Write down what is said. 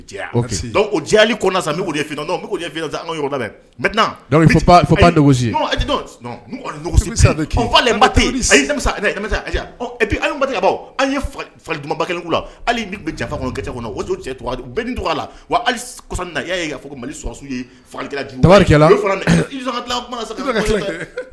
Fa dumanba kelen la janfa wa cɛ la wa' fɔ malisiw